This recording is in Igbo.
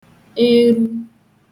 eru